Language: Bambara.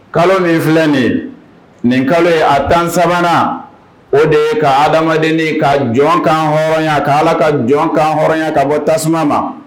Kalo min filɛ nin ye nin kalo in a 13 nan o de ye ka adamadennin ka jɔn kanhɔrɔnya ka Ala ka jɔn kanhɔrɔnya ka bɔ tasuma ma